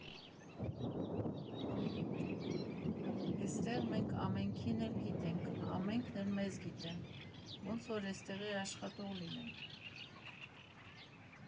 Էստեղ մենք ամենքին էլ գիտենք, ամենքն էլ մեզ գիտեն, ոնց որ էստեղի աշխատող լինենք։